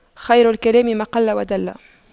خير الكلام ما قل ودل